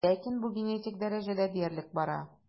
Ләкин бу генетик дәрәҗәдә диярлек бара.